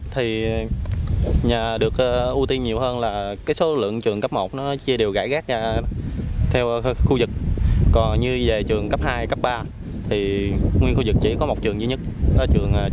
thì nhà được ưu tiên nhiều hơn là cái số lượng trường cấp một nó chia đều rải rác ra theo khu vực còn như về trường cấp hai cấp ba thì nguyên khu vực chỉ có một trường duy nhất là trường